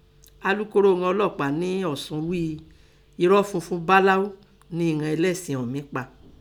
Alukoro ìnan ọlọ́ọ̀pá nẹ́ Ọ̀sun ghíi ẹrọ́ fifun báláú nẹ ìnan ẹlẹ̀sìn ọ̀ún mí pa.